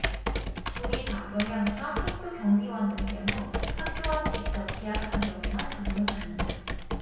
조리사 영양사 학교 경비원 등의 경우 학교와 직접 계약한 경우에만 적용을 받는다